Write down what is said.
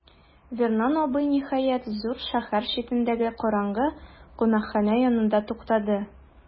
Вернон абый, ниһаять, зур шәһәр читендәге караңгы кунакханә янында туктады.